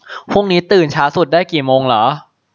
พรุ่งนี้ตื่นได้ช้าสุดกี่โมงเหรอ